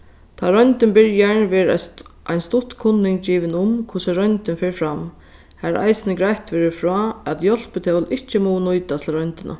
tá royndin byrjar verður ein stutt kunning givin um hvussu royndin fer fram har eisini greitt verður frá at hjálpitól ikki mugu nýtast til royndina